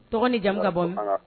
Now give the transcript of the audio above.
Dɔgɔnin ni jamu ka bɔ